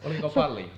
oliko paljon